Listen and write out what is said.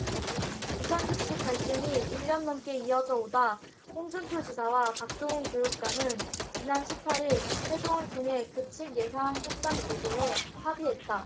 무상급식 갈등이 일 년 넘게 이어져 오다 홍준표 지사와 박종훈 교육감은 지난 십 팔 일 회동을 통해 급식예산 협상 재개에 합의했다